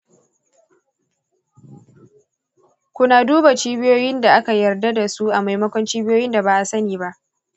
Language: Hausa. kuna duba cibiyoyin da aka yarda da su a maimakon cibiyoyin da ba'a sani ba.